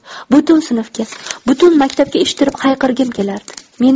butun sinfga butun maktabga eshittirib hayqirgim kelardi